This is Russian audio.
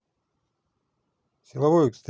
силовой экстрим